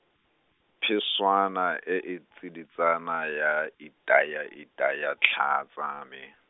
Phešwana e e tsiditsana ya itayaitaya tlhaa tsa me.